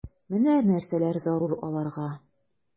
Менә нәрсәләр зарур аларга...